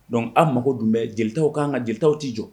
Dɔnku an mago dun bɛ jeli ka kan ka jelikɛw t tɛ jɔ